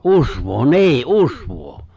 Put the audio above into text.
usvaa niin usvaa